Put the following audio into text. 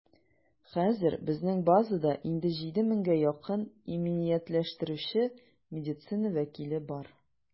Хәзер безнең базада инде 7 меңгә якын иминиятләштерүче медицина вәкиле бар.